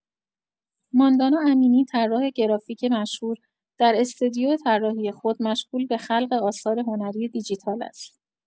ماندانا امینی، طراح گرافیک مشهور، در استودیو طراحی خود مشغول به خلق آثار هنری دیجیتال است.